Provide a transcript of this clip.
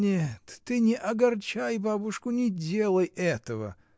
— Нет, ты не огорчай бабушку, не делай этого!